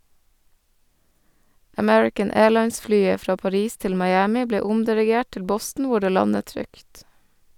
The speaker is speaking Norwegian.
American Airlines-flyet fra Paris til Miami ble omdirigert til Boston hvor det landet trygt.